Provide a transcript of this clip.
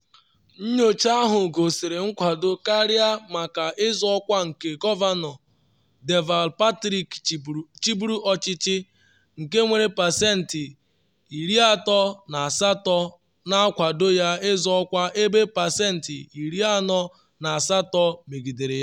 Nyocha ahụ gosiri nkwado karịa maka ịzọ ọkwa nke Governor Deval Patrick chịburu ọchịchị, nke nwere pesentị 38 na-akwado ya ịzọ ọkwa ebe pesentị 48 megidere ya.